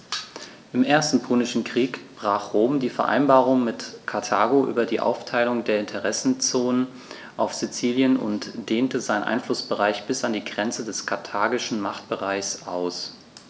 Im Ersten Punischen Krieg brach Rom die Vereinbarung mit Karthago über die Aufteilung der Interessenzonen auf Sizilien und dehnte seinen Einflussbereich bis an die Grenze des karthagischen Machtbereichs aus.